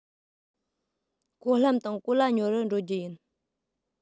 གོ ལྷམ དང གོ ལྭ ཉོ རུ འགྲོ རྒྱུ ཡིན